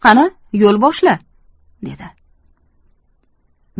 qani yo'l boshla dedi